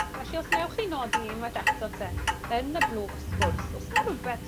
Felly os newch chi nodi unwaith eto 'te yn y blwch sgwrs os 'na rwbeth